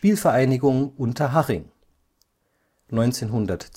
1983